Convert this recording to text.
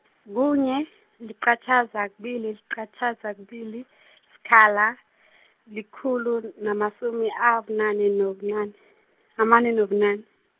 kunye liqatjhaza, kubili, liqatjhaza, kubili , sikhala, likhulu namasumi abunane nobunane, amane nobunane.